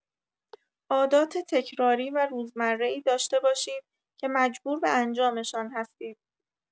عادات تکراری و روزمره‌ای داشته باشید که مجبور به انجامشان هستید.